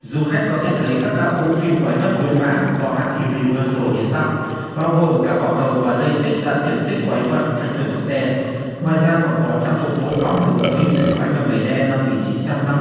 du khách có thể thấy các đạo cụ phim quái vật nguyên bản do hãng ưu ni vơ sồ hiến tặng bao gồm cả quả cầu và dây xích đã xiềng xích quái vật phanh cần sờ ten ngoài ra còn có trang phục mô phỏng từ bộ phim thủy quái đầm lầy đen năm một nghìn chín trăm năm